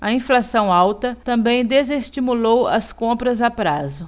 a inflação alta também desestimulou as compras a prazo